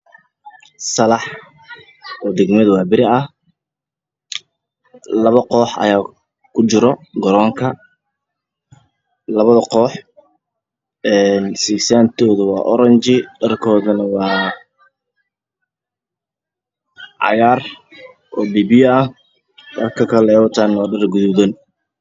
Waa salax oo dagmada waa bari ah labo koox ayaa kujirto garoonka. Labada koox sigisaantooda waa oranji dharkoodana waa cagaar oo biyo biyo ah dharka kale ay wataan waa gaduud.